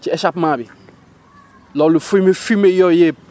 ci échapement bi loolu fumée fumée yooyu yëpp